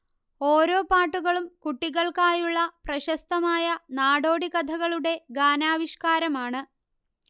ഓരോ പാട്ടുകളും കുട്ടികൾക്കായുള്ള പ്രശസ്തമായ നാടോടിക്കഥകളുടെ ഗാനാവിഷ്കാരമാണ്